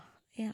Ja.